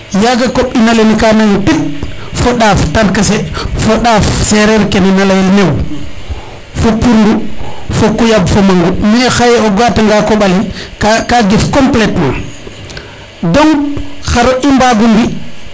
yaga koɓ ina lene ka nan pit fo ndaaf darkase fo ndaaf sereer kene na leyel new fo pundu ko kuyab fo mangu mais xaye o ga 'a tanga koɓale ka gef completement donc xar i mbagu mbi